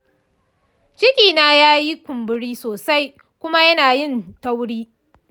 cikina ya yi kumburi sosai kuma yana yin tauri.